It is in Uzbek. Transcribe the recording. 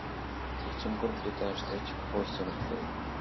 elchin bir ko'tarishda ichib xo'rsinib qo'ydi